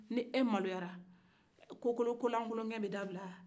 ni e maloyala kokolon-kolankolonkɛ bɛ dabila wa